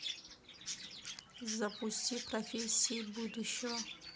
запусти профессии будущего